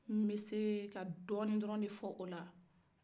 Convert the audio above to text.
nbɛ se ka dɔni de fɔ o la